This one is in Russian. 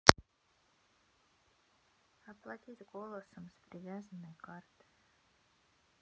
оплатить голосом с привязанной карты